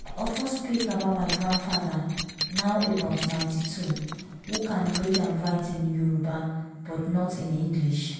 I often speak about my grandfather (now about 92) who can read and write in Yorùbá but not in English.